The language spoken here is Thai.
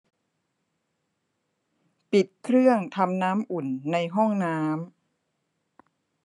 ปิดเครื่องทำน้ำอุ่นในห้องน้ำ